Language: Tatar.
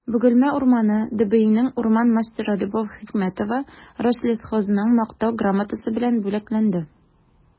«бөгелмә урманы» дбинең урман мастеры любовь хикмәтова рослесхозның мактау грамотасы белән бүләкләнде